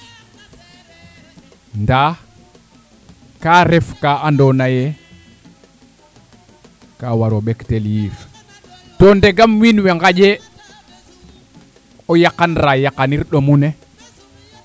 ndaa ka ref ka ando naye ka waro mbektel yiif to to ngedam wiin we ngaƴe o yaqan raa yanir ɗomu ne